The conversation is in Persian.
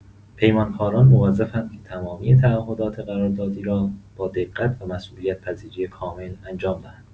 پیمانکاران موظف‌اند که تمامی تعهدات قراردادی را با دقت و مسئولیت‌پذیری کامل انجام دهند.